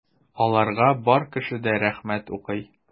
Аларга бар кеше дә рәхмәт укый.